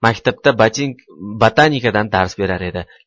maktabda botin botanikadan dars berar edi